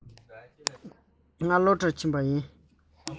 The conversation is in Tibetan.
ང སློབ གྲྭར ཕྱིན པ ཡིན